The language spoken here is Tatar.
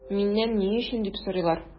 Миннән “ни өчен” дип сорыйлар.